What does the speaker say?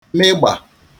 megbà